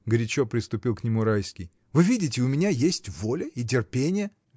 — горячо приступил к нему Райский, — вы видите, у меня есть воля и терпение.